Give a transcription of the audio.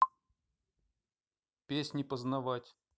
песни познавать